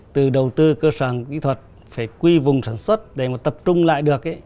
từ đầu tư cơ sở kỹ thuật phải quy vùng sản xuất để mà tập trung lại được ý